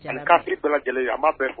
Hali kafiri bɛɛ lajɛlen, an b'a bɛɛ fɔ.